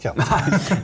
nei.